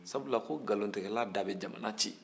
sabula ko nkalontigɛla da bɛ jamana ci